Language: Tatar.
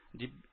- дип